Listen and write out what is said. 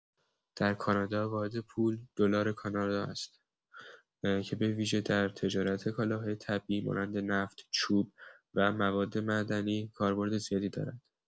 در کانادا واحد پول دلار کانادا است که به‌ویژه در تجارت کالاهای طبیعی مانند نفت، چوب و مواد معدنی کاربرد زیادی دارد.